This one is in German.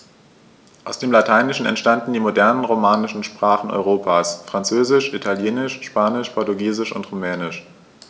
Aus dem Lateinischen entstanden die modernen „romanischen“ Sprachen Europas: Französisch, Italienisch, Spanisch, Portugiesisch und Rumänisch.